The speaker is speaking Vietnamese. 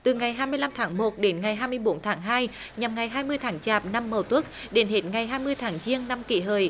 từ ngày hai mươi lăm tháng một đến ngày hai mươi bốn tháng hai nhằm ngày hai mươi tháng chạp năm mậu tuất đến hết ngày hai mươi tháng giêng năm kỷ hợi